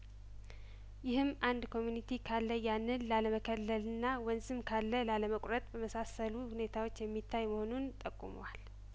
ይኸም አንድ ኮሚኒቲ ካለያንን ላለመከለልና ወንዝም ካለላለመቁረጥ በመሳሰሉ ሁኔታዎች የሚታይመሆኑን ጠቁ መዋል